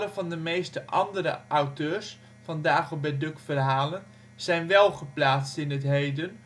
van de meeste andere auteurs van Dagobert Duckverhalen zijn wél geplaatst in het heden